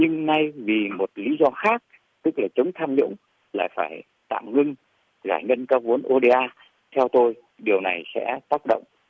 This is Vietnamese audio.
nhưng nay vì một lý do khác tức là chống tham nhũng là phải tạm ngưng giải ngân vốn ô đê a theo tôi điều này sẽ tác động